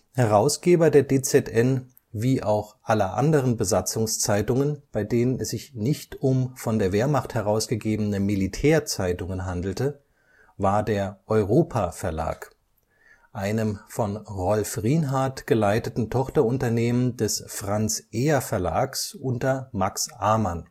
Herausgeber der DZN, wie auch aller anderen Besatzungszeitungen, bei denen es sich nicht um von der Wehrmacht herausgegebene Militärzeitungen handelte, war der Europa-Verlag, einem von Rolf Rienhardt geleiteten Tochterunternehmen des Franz-Eher-Verlags unter Max Amann